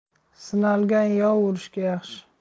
sinalgan yov urushga yaxshi